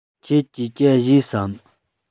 ཁྱེད ཀྱིས ཇ བཞེས སམ